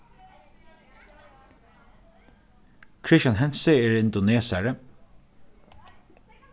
kristian hentze er indonesari